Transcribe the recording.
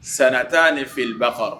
Santa ni filiba kɔrɔ